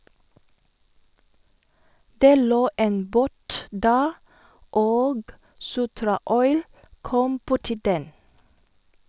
- Det lå en båt der, og "Sotraoil" kom borti den.